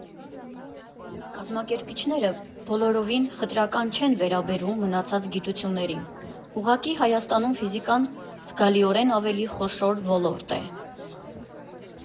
Կազմակերպիչները բոլորովին խտրական չեն վերաբերվում մնացած գիտություններին, ուղղակի Հայաստանում ֆիզիկան զգալիորեն ավելի խոշոր ոլորտ է։